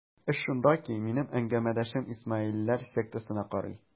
Эш шунда ки, минем әңгәмәдәшем исмаилләр сектасына карый.